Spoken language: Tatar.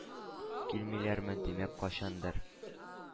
Килмиләрме? Димәк, кайчандыр